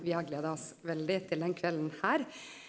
vi har gleda oss veldig til den kvelden her.